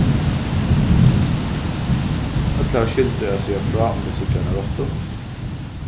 øll hava skyldu at siga frá um tey síggja eina rottu